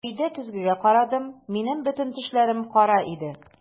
Ә өйдә көзгегә карадым - минем бөтен тешләрем кара иде!